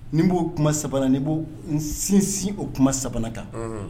Ni b'o kuma sabanan ni b n sinsin o kuma sabanan kan